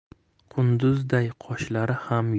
qunduzday qoshlari ham